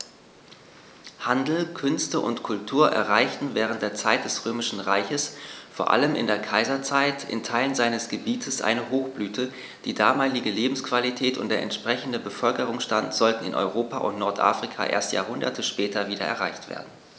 Handel, Künste und Kultur erreichten während der Zeit des Römischen Reiches, vor allem in der Kaiserzeit, in Teilen seines Gebietes eine Hochblüte, die damalige Lebensqualität und der entsprechende Bevölkerungsstand sollten in Europa und Nordafrika erst Jahrhunderte später wieder erreicht werden.